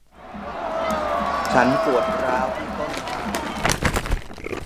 ฉันปวดร้าวที่ต้นขา